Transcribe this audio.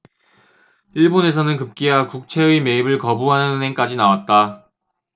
일본에서는 급기야 국채의 매입을 거부하는 은행까지 나왔다